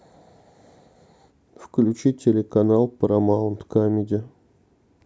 включи телеканал парамаунт камеди